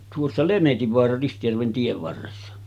tuossa Lemetinvaara Ristijärven tien varressa